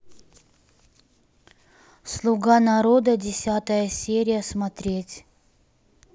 слуга народа десятая серия смотреть